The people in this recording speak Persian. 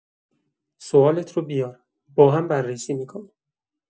سؤالت رو بیار، با هم بررسی می‌کنیم.